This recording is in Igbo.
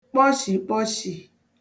kpọshìkpọshì